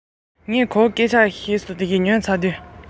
བུམ པ གང བྱོའི ཚུལ དུ ལེན པ ཡིན